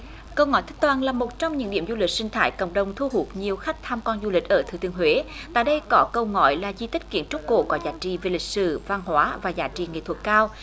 câu ngói thanh toàn là một trong những điểm du lịch sinh thái cộng đồng thu hút nhiều khách tham quan du lịch ở thừa thiên huế tại đây có cầu ngói là di tích kiến trúc cổ có giá trị về lịch sử văn hóa và giá trị nghệ thuật cao